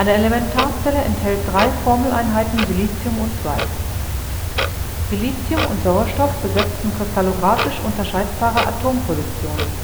Elementarzelle enthält drei Formeleinheiten SiO2. Silicium (Si) und Sauerstoff (O) besetzen kristallographisch unterscheidbare Atompositionen